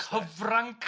Cyfranc?